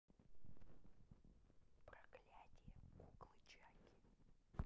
проклятие куклы чаки